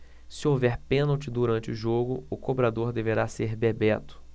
se houver pênalti durante o jogo o cobrador deverá ser bebeto